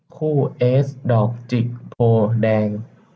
คู่เอซดอกจิกโพธิ์แดง